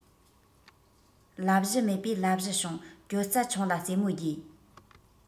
ལབ གཞི མེད པའི ལབ གཞི བྱུང གྱོད རྩ ཆུང ལ རྩེ མོ རྒྱས